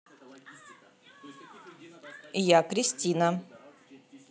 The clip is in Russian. я кристина